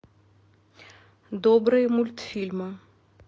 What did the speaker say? добрые мультфильмы